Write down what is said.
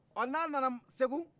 ɔ n'a nana segu